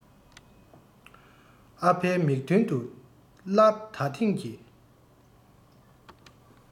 ཨ ཕའི མིག མདུན དུ སླར ད ཐེངས ཀྱི